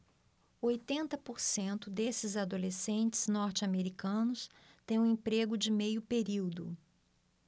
oitenta por cento desses adolescentes norte-americanos têm um emprego de meio período